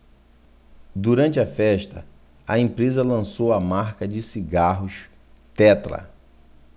durante a festa a empresa lançou a marca de cigarros tetra